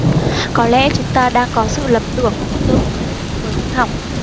có lẽ chúng ta đang có sự lầm tưởng giữa ngôn ngữ với môn học